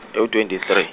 ewu- twenty three.